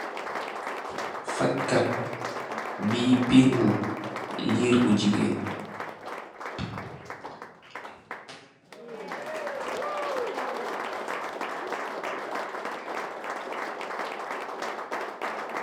Faag kat bi pengu lerr bu jigeen.